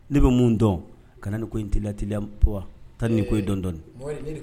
Ne bɛ mun dɔn kana ni ko in tɛ latila taa ni ko ye dɔn dɔɔnin